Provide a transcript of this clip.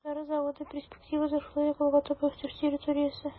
Дары заводы перспективада шулай ук алга таба үсеш территориясе.